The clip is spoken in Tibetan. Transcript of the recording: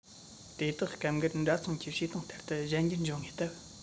དེ དག སྐབས འགར འདྲ མཚུངས ཀྱི བྱེད སྟངས ལྟར དུ གཞན འགྱུར འབྱུང ངེས སྟབས